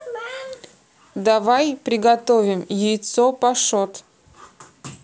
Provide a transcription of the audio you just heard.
давай приготовим яйцо пашот